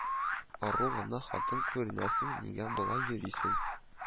– ару гына хатын күренәсең, нигә болай йөрисең